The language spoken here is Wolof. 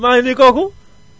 maa ngi nii kooku